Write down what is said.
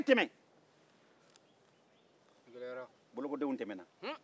bolokodenw tɛmɛna